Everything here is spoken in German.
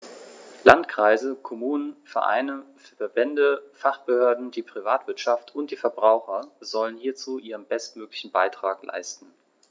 Landkreise, Kommunen, Vereine, Verbände, Fachbehörden, die Privatwirtschaft und die Verbraucher sollen hierzu ihren bestmöglichen Beitrag leisten.